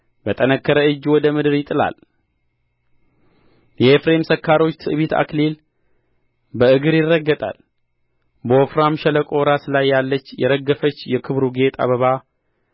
በጠነከረ እጅ ወደ ምድር ይጥላል የኤፍሬም ሰካሮች ትዕቢት አክሊል በእግር ይረገጣል በወፍራሙ ሸለቆ ራስ ላይ ያለች የረገፈች የክብሩ ጌጥ አበባ